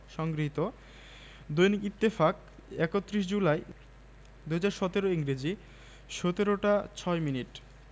সমকালীন বিজ্ঞাপন সিঙ্গার ঈদ অফারে সবাই কাত ৩০০ ফ্রি ফ্রিজে বাজিমাত ঈদুল আজহাকে সামনে রেখে মাসব্যাপী ঈদ অফার চালু করতে যাচ্ছে সিঙ্গার